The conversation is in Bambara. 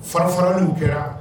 Fara faralen kɛra